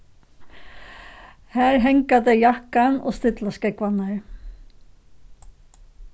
har hanga tey jakkan og stilla skógvarnar